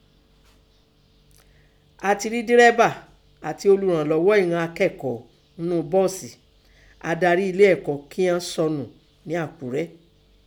A tẹ rí dẹ́rẹ́bà àti olùrànlọ́ghọ́ ìnan akẹ́kọ̀ọ́ ńnú bọ́ọ̀sì Adarí ẹlé ẹ̀kọ́ kíọ́n sọnù ní Àkúrẹ́.